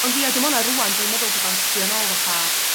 Ond ia dwi me'wl ma' rŵan dwi'n meddwl bydda'n sbio nôl fatha